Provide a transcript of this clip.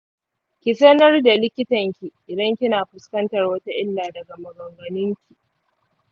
ki sanar da likitanki idan kina fuskantar wata illa daga magungunanki.